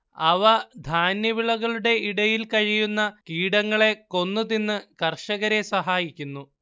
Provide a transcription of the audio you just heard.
അവ ധാന്യവിളകളുടെ ഇടയിൽ കഴിയുന്ന കീടങ്ങളെ കൊന്ന് തിന്ന് കർഷകരെ സഹായിക്കുന്നു